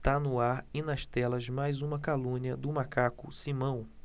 tá no ar e nas telas mais uma calúnia do macaco simão